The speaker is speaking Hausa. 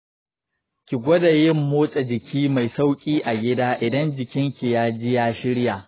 ki gwada yin motsa jiki mai sauƙi a gida idan jikinki ya ji ya shirya.